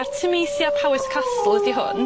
Artemisia Powys Castle ydi hwn.